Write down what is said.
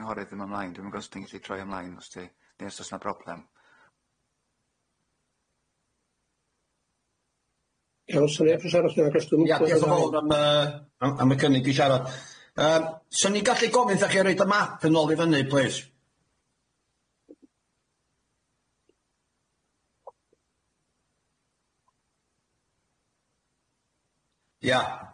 cynghorydd ddim ymlaen dwi'm yn gwbo' os ti'n gallu troi o ymlaen os ti ne' os o's na broblem? Iaw, 's'na neb isio siarad felly nagoes, dwi'm yn clwa-... Ma- ma- am y cynnig i siarad. Yym, 'swn i'n gallu gofyn 'tha chi roi y map yn ôl i fyny plis? Ia.